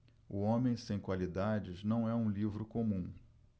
o homem sem qualidades não é um livro comum